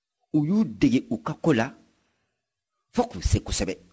u y'u dege u ka ko la fo k'u se kosɛbɛ